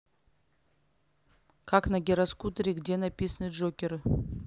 как на гироскутере где написаны джокеры